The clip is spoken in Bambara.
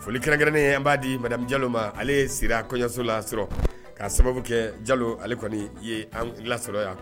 Foli kɛrɛnkɛrɛnnen ye b'a di mamu jalo ma ale ye sira kɔɲɔso lasɔrɔ ka sababu kɛ jalo ale kɔni ye an lasɔrɔ yan